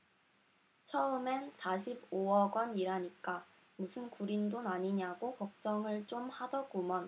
처음엔 사십 오 억원이라니까 무슨 구린 돈 아니냐고 걱정을 좀 하더구먼